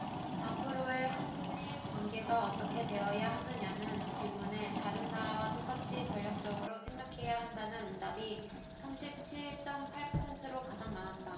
앞으로의 한 일 관계가 어떻게 되어야 하느냐는 질문에 다른 나라와 똑같이 전략적으로 생각해야 한다는 응답이 삼십 칠 쩜 팔 퍼센트로 가장 많았다